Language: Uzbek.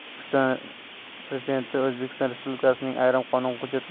o'zbekiston prezidenti o'zbekiston respublikasining ayrim qonun hujjatlariga